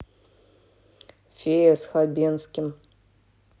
фея с хабенским